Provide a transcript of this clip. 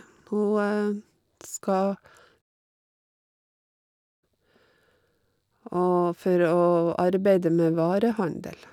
Hun skal og for å arbeide med varehandel.